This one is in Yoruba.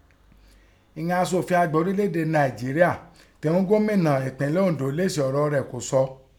Ìghọn aṣòfi àgbà ọrílẹ̀ èdè Nàìjeríà tẹ ún gómìnà ẹ̀pínlẹ̀ Oǹdó lèsì ọ̀rọ̀ rẹ kọ́ sọ.